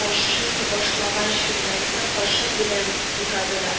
ташый башлаган чүлмәкне кашык белән бутады да: